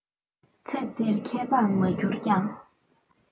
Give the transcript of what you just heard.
ཚེ འདིར མཁས པར མ གྱུར ཀྱང